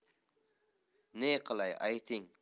ne qilay ayting